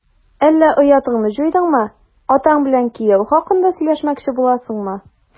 Әллә оятыңны җуйдыңмы, атаң белән кияү хакында сөйләшмәкче буласыңмы? ..